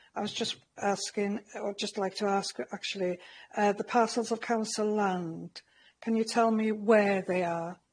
I was just asking or just like to ask actually, uh the parcels of council land, can you tell me where they are?